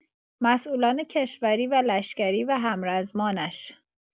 مسئولان کشوری و لشکری و همرزمانش